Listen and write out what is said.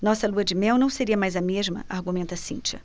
nossa lua-de-mel não seria mais a mesma argumenta cíntia